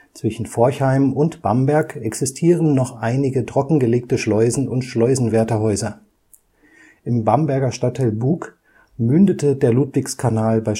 Zwischen Forchheim und Bamberg existieren noch einige trockengelegte Schleusen und Schleusenwärterhäuser. Im Bamberger Stadtteil Bug mündete der Ludwigskanal bei